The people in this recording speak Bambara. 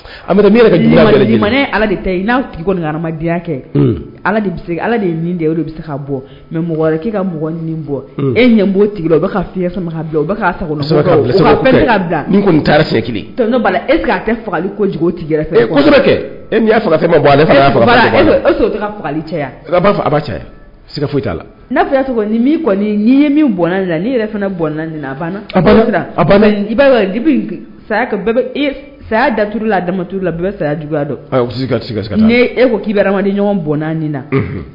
Denya bɔ mɛ mɔgɔ ka e e fagali elia foyi ye min bɔn ni yɛrɛ fana bɔn nin saya da turula la a da ma turu la bɛ saya jugu k'i bɛ ɲɔgɔn bɔn na